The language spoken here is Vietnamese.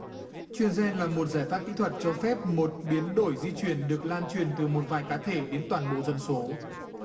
truyền gien là một giải pháp kỹ thuật cho phép một biến đổi di truyền được lan truyền từ một vài cá thể đến toàn bộ dân số